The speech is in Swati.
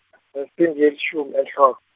insimbi yelishumi enhlo-.